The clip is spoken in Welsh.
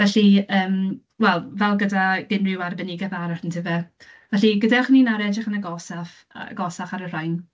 Felly, yym, wel fel gyda unrhyw arbenigedd arall ondife? Felly gadewch i ni nawr edrych yn agosaf yy agosach ar y rhain.